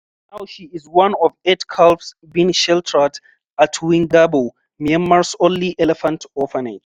Now she is one of eight calves being sheltered at Wingabaw, Myanmar’s only elephant orphanage.